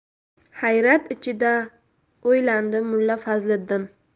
hayrat ichida o'ylandi mulla fazliddin